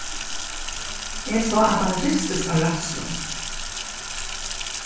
eg sá at hann ristist av ræðslu